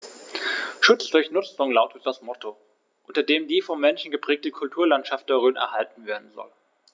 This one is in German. „Schutz durch Nutzung“ lautet das Motto, unter dem die vom Menschen geprägte Kulturlandschaft der Rhön erhalten werden soll.